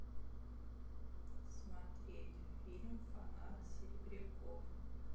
смотреть фильм фанат серебряков